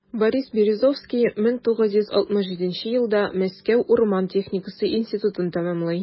Борис Березовский 1967 елда Мәскәү урман техникасы институтын тәмамлый.